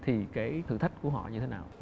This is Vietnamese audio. thì cái thử thách của họ như thế nào